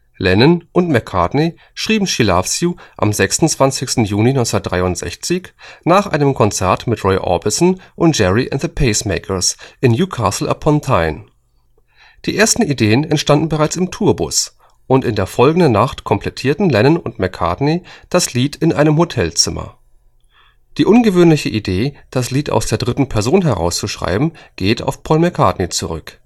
Lennon und McCartney schrieben She Loves You am 26. Juni 1963 nach einem Konzert mit Roy Orbison und Gerry & The Pacemakers in Newcastle upon Tyne. Die ersten Ideen entstanden bereits im Tourbus, und in der folgenden Nacht komplettierten Lennon und McCartney das Lied in einem Hotelzimmer. Die ungewöhnliche Idee, das Lied aus der dritten Person heraus zu schreiben, geht auf Paul McCartney zurück